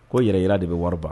Ko yɛrɛ i de bɛ wari ban